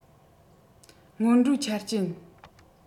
སྔོན འགྲོའི ཆ རྐྱེན